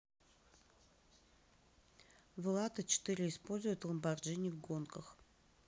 влад а четыре используют ламборгини в гонках